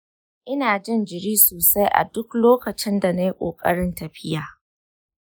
inajin jiri sosai a duk lokacinda nayi kokarin tafiya.